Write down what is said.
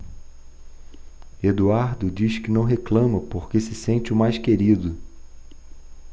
eduardo diz que não reclama porque se sente o mais querido